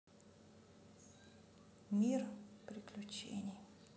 мир приключений